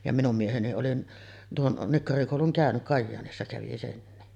ja minun mieheni oli tuon nikkarikoulun käynyt Kajaanissa kävi senkin